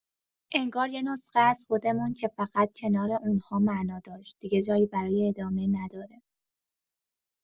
انگار یه نسخه از خودمون که فقط کنار اون‌ها معنا داشت، دیگه جایی برای ادامه نداره.